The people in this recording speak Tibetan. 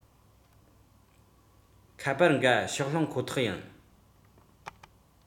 ལད ཟློས གི འཕྲལ རྒོལ འགའ བསྒྲུབ ཁོ ཐག ཡིན